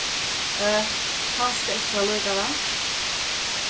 øh kanska ikki allíkavæl